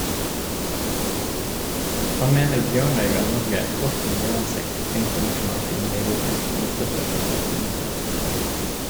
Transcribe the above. Han mener Bjørnøy ga Norge et godt miljøansikt internasjonalt i Nairobi, med støtte fra statsministeren.